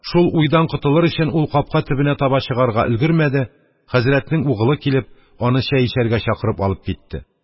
Шул уйдан котылыр өчен, ул капка төбенә таба чыгарга өлгермәде, хәзрәтнең угылы, килеп, аны чәй эчәргә чакырып алып китте.